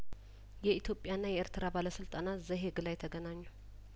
የኢትዮጵያ ና የኤርትራ ባለስልጣናት ዘ ሄግ ላይ ተገናኙ